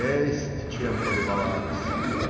Есть чем полюбоваться!